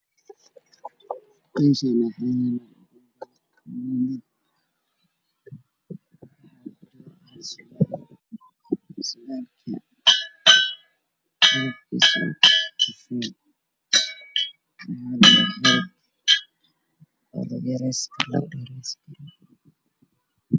Ii muuqda boom balo caag ah oo qaba sarwaal qaxwi ah oo ragga ah